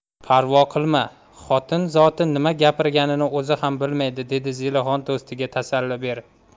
parvo qilma xotin zoti nima gapirganini o'zi ham bilmaydi dedi zelixon do'stiga tasalli berib